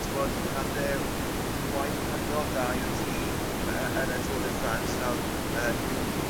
T'bod nath e w- waith hynod dda i'r tî- me- yy yn y Tour de France nawr yy dwi'n